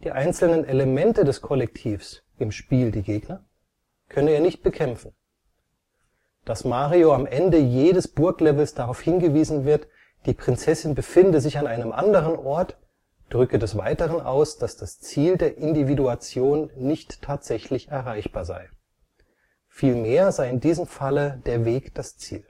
einzelnen Elemente des Kollektivs – im Spiel die Gegner – könne er nicht bekämpfen. Dass Mario am Ende jedes Burglevels darauf hingewiesen wird, die Prinzessin befinde sich an einem anderen Ort, drücke des Weiteren aus, dass das Ziel der Individuation nicht tatsächlich erreichbar sei. Vielmehr sei in diesem Falle der Weg das Ziel